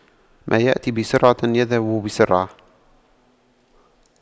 ما يأتي بسرعة يذهب بسرعة